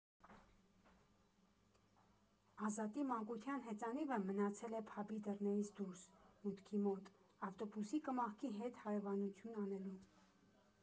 Ազատի մանկության հեծանիվը մնացել է փաբի դռներից դուրս՝ մուտքի մոտ, ավտոբուսի կմախքի հետ հարևանություն անելու։